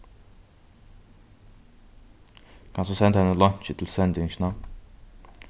kanst tú senda henni leinkið til sendingina